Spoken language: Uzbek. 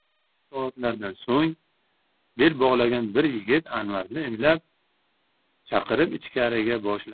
yarim soatlardan so'ng bel bog'lagan bir yigit anvarni imlab chaqirib ichkariga boshladi